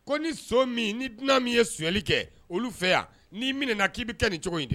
Ko ni so min ni dunan min ye suyali kɛ olu fɛ yan n'i min na k'i bɛ kɛ nin cogo in de